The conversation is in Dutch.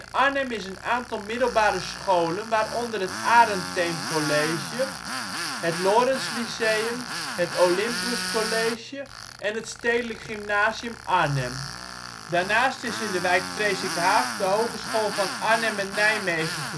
Arnhem is een aantal middelbare scholen waaronder het Arentheem College, het Lorentz Lyceum het Olympus College en het Stedelijk Gymnasium Arnhem. Daarnaast is in de wijk Presikhaaf de Hogeschool van Arnhem en Nijmegen